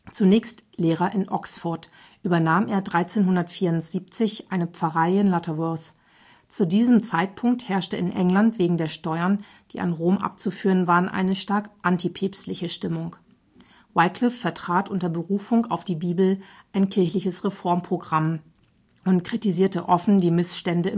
Zunächst Lehrer in Oxford, übernahm er 1374 eine Pfarrei in Lutterworth. Zu diesem Zeitpunkt herrschte in England wegen der Steuern, die an Rom abzuführen waren, eine stark antipäpstliche Stimmung. Wyclif vertrat unter Berufung auf die Bibel ein kirchliches Reformprogramm und kritisierte offen die Missstände